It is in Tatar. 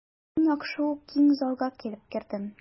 Мин яхшы ук киң залга килеп кердем.